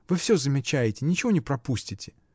Вы всё замечаете, ничего не пропустите.